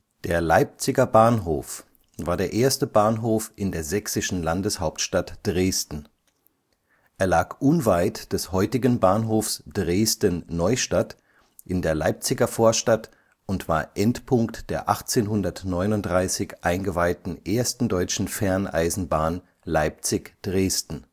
Der Leipziger Bahnhof war der erste Bahnhof in der sächsischen Landeshauptstadt Dresden. Er lag unweit des heutigen Bahnhofs Dresden-Neustadt in der Leipziger Vorstadt und war Endpunkt der 1839 eingeweihten ersten deutschen Ferneisenbahn Leipzig – Dresden